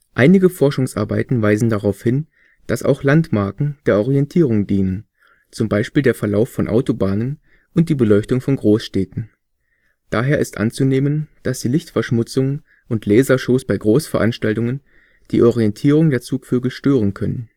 Einige Forschungsarbeiten weisen darauf hin, dass auch Landmarken der Orientierung dienen, zum Beispiel der Verlauf von Autobahnen und die Beleuchtung von Großstädten. Daher ist anzunehmen, dass die Lichtverschmutzung und Lasershows bei Großveranstaltungen die Orientierung der Zugvögel stören können